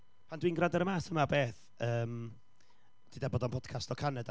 Pan dwi'n gwrando'r math yma o beth, yym, deuda bod o'n podcast o Canada.